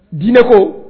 Diinɛ ko